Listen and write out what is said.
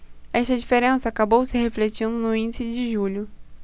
esta diferença acabou se refletindo no índice de julho